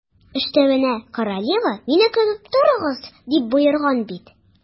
Өстәвенә, королева: «Мине көтеп торыгыз», - дип боерган бит.